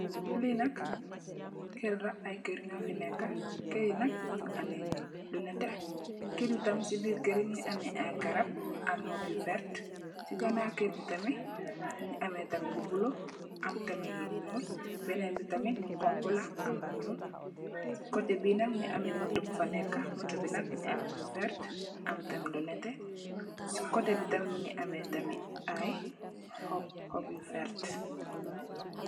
Li nak keur la ay keur nyofi neka keuri nak mogi ame lu nete keuri tamit si birr keuri mogi ame ay garab am hoop yu vertah si kanaw keur bi tamit mogi ame tamit lu bulo am tamit lu nuul benen bi tamit xonxa la am lu nuul si kote bi nak mogi ame moto bu fa neka moto bi nak mogi ame lu vert am tamit lu nete si kote bi tamit mogi ame ay hoop hoop yu vertah.